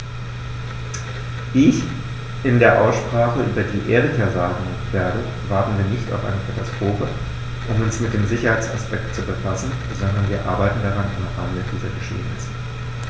Wie ich in der Aussprache über die Erika sagen werde, warten wir nicht auf eine Katastrophe, um uns mit dem Sicherheitsaspekt zu befassen, sondern wir arbeiten daran am Rande dieser Geschehnisse.